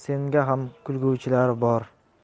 senga ham kulguvchilar bor